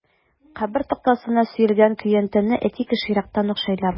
Кабер тактасына сөялгән көянтәне әти кеше ерактан ук шәйләп алды.